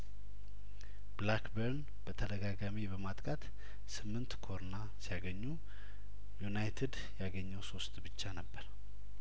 ብላክበርን በተደጋጋሚ በማጥቃት ስምንት ኮርና ሲያገኙ ዩናይትድ ያገኘው ሶስት ብቻ ነበር